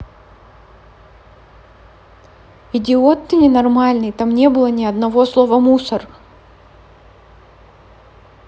идиот ты ебанутый там не было ни одного слова мусор